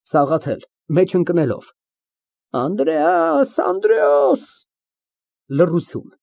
ՍԱՂԱԹԵԼ ֊ (Մեջ ընկնելով) Անդրեաս, Անդրեաս (Լռություն)։